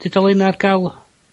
tudalenna' ar ga'l?